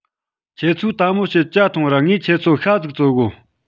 ཁྱེད ཆོས དལ མོ བྱོས ཇ ཐུངས ར ངས ཁྱེད ཆོའ ཤ ཟིག བཙོ གོ